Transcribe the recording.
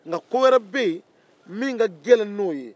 ko wɛrɛ bɛ yen min ka gɛlɛn n'o ye